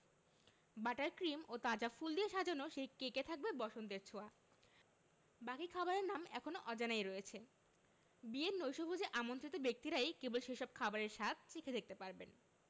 butter cream ও তাজা ফুল দিয়ে সাজানো সেই কেকে থাকবে বসন্তের ছোঁয়া বাকি খাবারের নাম এখনো অজানাই রয়েছে বিয়ের নৈশভোজে আমন্ত্রিত ব্যক্তিরাই কেবল সেসব খাবারের স্বাদ চেখে দেখতে পারবেন